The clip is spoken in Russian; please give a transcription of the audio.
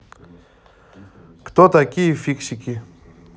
кто такие фиксики